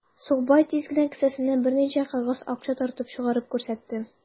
Сукбай тиз генә кесәсеннән берничә кәгазь акча тартып чыгарып күрсәтте.